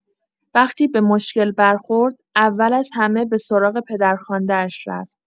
وقتی به مشکل برخورد، اول از همه به سراغ پدرخوانده‌اش رفت.